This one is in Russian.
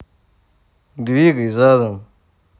двигай задом